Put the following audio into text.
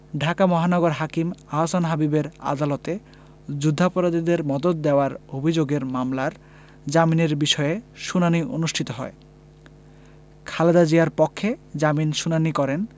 ঢাকা মহানগর হাকিম আহসান হাবীবের আদালতে যুদ্ধাপরাধীদের মদদ দেওয়ার অভিযোগের মামলার জামিনের বিষয়ে শুনানি অনুষ্ঠিত হয় খালেদা জিয়ার পক্ষে জামিন শুনানি করেন